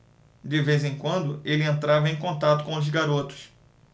de vez em quando ele entrava em contato com os garotos